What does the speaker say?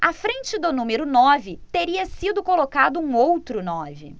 à frente do número nove teria sido colocado um outro nove